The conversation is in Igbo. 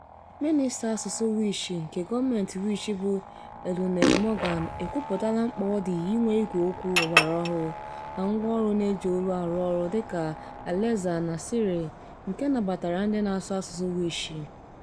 Mịnịsta asụsụ Welsh nke gọọmentị Welsh bụ Eluned Morgan ekwupụtala mkpa ọ dị inwe Ígwèokwu ọgbaraọhụrụ na ngwáọrụ na-eji olu arụ ọrụ dịka Alexa na Siri nke nabatara ndị na-asụ asụsụ Welsh.